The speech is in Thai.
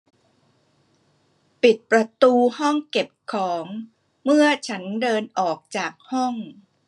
ปิดประตูห้องเก็บของเมื่อฉันเดินออกจากห้อง